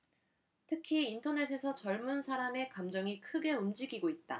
특히 인터넷에서 젊은 사람의 감정이 크게 움직이고 있다